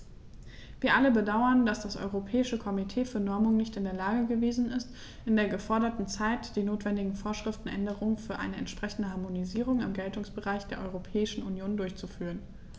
Wir alle bedauern, dass das Europäische Komitee für Normung nicht in der Lage gewesen ist, in der geforderten Zeit die notwendige Vorschriftenänderung für eine entsprechende Harmonisierung im Geltungsbereich der Europäischen Union durchzuführen.